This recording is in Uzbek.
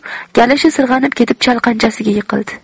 kalishi sirg'anib ketib chalqanchasiga yiqildi